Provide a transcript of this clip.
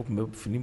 O tun bɛ fini